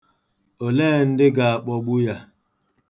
Olee ndị ga-akpọgbu ya?